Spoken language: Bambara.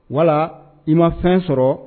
Voilà i ma fɛn sɔrɔ